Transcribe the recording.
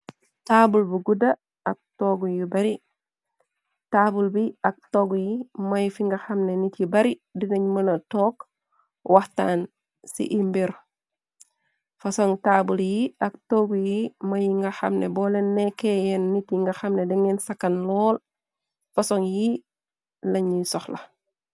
Taabl bu gudda ak togu yu bari, taabl bi ak togg yi moy fi nga hamne nit yu bari di nañ mëna toog wahtaan ci imbir fasong-taabl yi ak toggu yi moyi nga hamne boole nekkeyeen nit yi nga hamne dengeen sakan lool, fasong yi lañuy sohla.